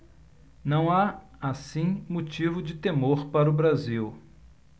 não há assim motivo de temor para o brasil